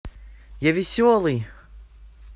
я веселый